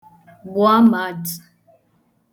gbua mmadtū